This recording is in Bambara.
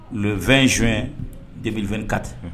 Le 20 juin 2024 unhun